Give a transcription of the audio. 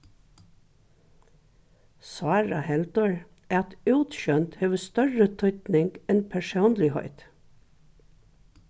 sára heldur at útsjónd hevur størri týdning enn persónligheit